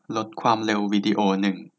ลดความเร็ววีดีโอหนึ่ง